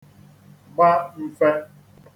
gba mfe